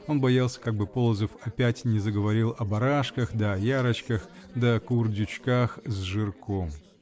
он боялся, как бы Полозов опять не заговорил о барашках, да о ярочках, да о курдючках с жирком.